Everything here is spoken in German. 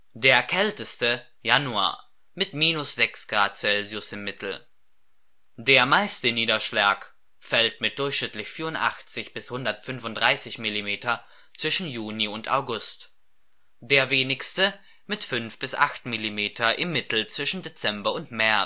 der kälteste Januar mit -6 Grad Celsius im Mittel. Der meiste Niederschlag fällt mit durchschnittlich 84 bis 135 Millimeter zwischen Juni und August, der wenigste mit fünf bis acht Millimeter im Mittel zwischen Dezember und März